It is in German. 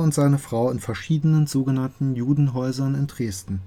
seine Frau in verschiedenen so genannten Judenhäusern in Dresden